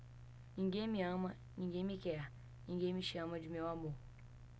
ninguém me ama ninguém me quer ninguém me chama de meu amor